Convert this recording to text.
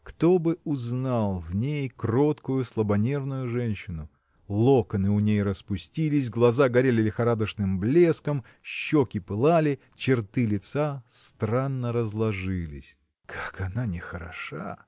Кто бы узнал в ней кроткую, слабонервную женщину? Локоны у ней распустились глаза горели лихорадочным блеском щеки пылали черты лица странно разложились. Как она нехороша!